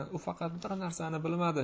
u faqat bir narsani bilmadi